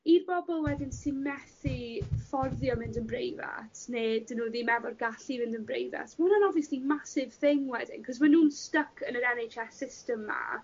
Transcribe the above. i'r bobol wedyn sy methu fforddio mynd yn breifat ne' 'dyn n'w ddim efo'r gallu i fynd yn breifat ma' wnna'n obviously massive thing wedyn 'c'os ma' nw'n styc yn yr En Haitch Ess system 'ma